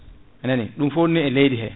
a nani ɗum foo ni e leydi he